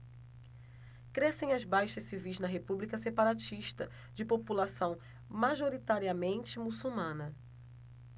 crescem as baixas civis na república separatista de população majoritariamente muçulmana